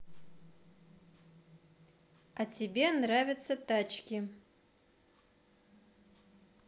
а тебе нравятся тачки